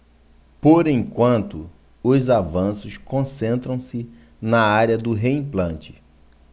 por enquanto os avanços concentram-se na área do reimplante